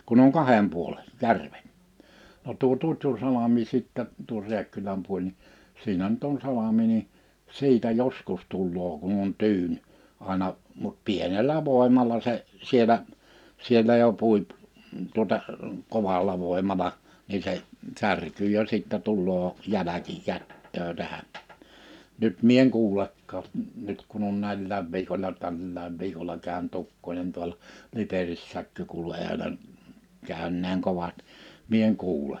kun on kahden puolen järvet no tuo Tutjunsalmi sitten tuo Rääkkylän puoli niin siinä nyt on salmi niin siitä joskus tulee kun on tyyni aina mutta pienellä voimalla se siellä siellä jo pui - tuota kovalla voimalla niin se särkyy jo sitten tulee jälkikäteen tähän nyt minä en kuulekaan nyt kun on näillä viikolla tällä viikolla käynyt ukkonen tuolla Liperissäkö kuului olen käyneen kovat minä en kuule